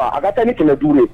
a taa ni kɛmɛ duya tuguni